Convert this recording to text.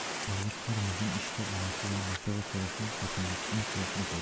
bobur har muhim ishda onasidan maslahat so'rashi qosimbekka uncha yoqmas edi